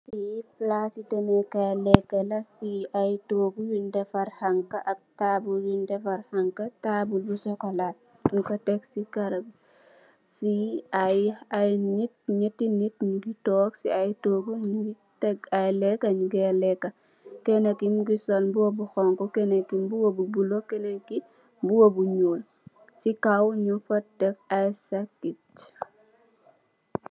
Fii palasi dameekay leka la fi ay togu yuñ dafare xanxa, ak tabul buñ dafar xanxa nyung ku tek ci karo bi. Fii ay nit nyatti nit nyungi tok ci ay togu nyunge tek ay lekka nyunge lekka. Kenaki mungi sol mboba bu xonxo,,kenenki mungi mboba bu bulo, kenenki mboba bu nuul. Ci kaw nyung fa def ay sakit.